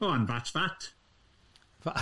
Go on, fat's fat.